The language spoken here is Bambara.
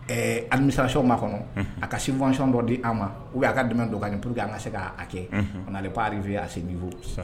Ɛɛ administration ma kɔnɔ a ka subvention dɔ di an ma, ou bien aka dɛmɛ dɔ ka an ye pour que an ka se k'a kɛ on allait pas arrivé à ce niveau